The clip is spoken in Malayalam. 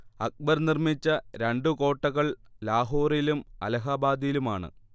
അക്ബർ നിർമിച്ച രണ്ടു കോട്ടകൾ ലാഹോറിലും അലഹബാദിലുമാണ്